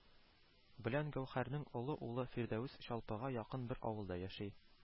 Белән гәүһәрнең олы улы фирдәвес чалпыга якын бер авылда яши,